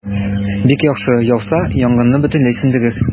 Бик яхшы, яуса, янгынны бөтенләй сүндерер.